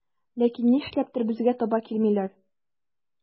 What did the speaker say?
Ләкин нишләптер безгә таба килмиләр.